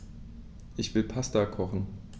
Ich will Pasta kochen.